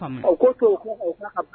Faamu la;O ko t'o ka ɛɛ